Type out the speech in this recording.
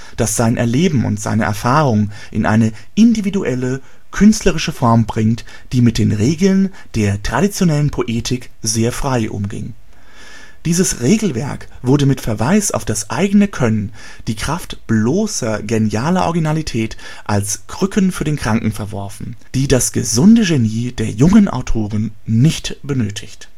das sein Erleben und seine Erfahrungen in eine individuelle künstlerische Form bringt, die mit den Regeln der traditionellen Poetik sehr frei umging. Dieses Regelwerk wurde mit Verweis auf das eigene Können, die Kraft bloßer genialer Originalität als Krücken für den Kranken verworfen, die das gesunde Genie der jungen Autoren nicht benötigt